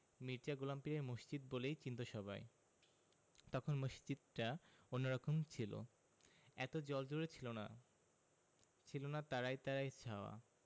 মির্জা গোলাম পীরের মসজিদ বলেই চিনতো সবাই তখন মসজিদটা অন্যরকম ছিল এত জ্বলজ্বলে ছিল না ছিলনা তারায় তারায় ছাওয়া